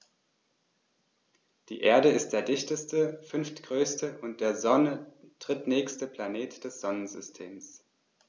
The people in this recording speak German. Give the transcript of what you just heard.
Die Erde ist der dichteste, fünftgrößte und der Sonne drittnächste Planet des Sonnensystems.